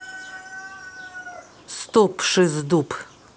стоп шиз дуб